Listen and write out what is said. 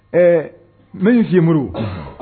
Ɛɛ n m misi si muru